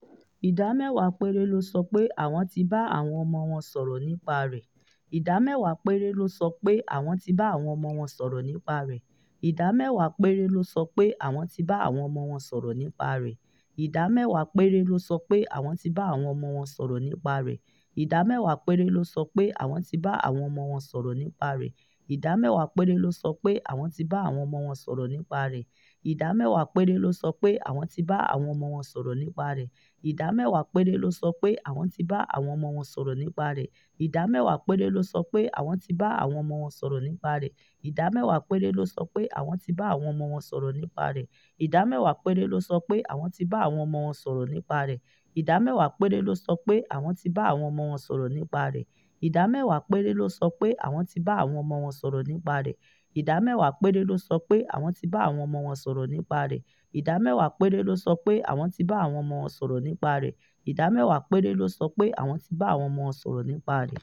Ìdá mẹ́wàá péré ló sọ pé àwọn ti bá àwọn ọmọ wọn sọ̀rọ̀ nípa rẹ̀.